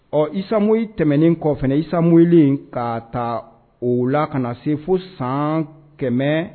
Ɔ isamo tɛmɛnen kɔfɛ isa wuli ka taa o la ka na se fo san kɛmɛ